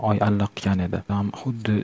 oy allaqachon botib ketgan edi